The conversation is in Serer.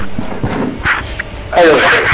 alo